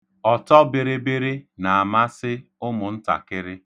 Ọtọbịrịbịrị na-amasị ụmụntakịrị.